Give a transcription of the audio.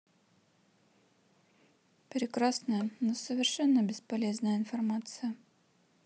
прекрасная но совершенно бесполезная информация